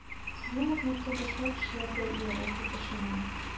Сезнең үрнәккә башка кешеләр дә иярер дип ышанам.